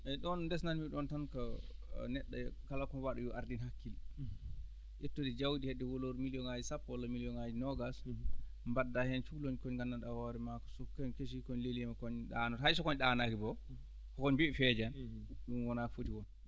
eeyi desnatmi ko neɗɗo e kala komo waɗa yo ardin hakkille ƴettude jawɗi hedde valeur million ŋaaji sappo walla million ŋaji noogaas mbadda heen cuholon kon nganndanɗaa hoore ma so ko heen * so ko on leliima kon ɗanoto hay so kon ɗanaaki boom wonɓi feejani ɗum wona ko foti wonde